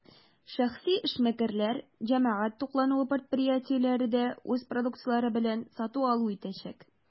Шәхси эшмәкәрләр, җәмәгать туклануы предприятиеләре дә үз продукцияләре белән сату-алу итәчәк.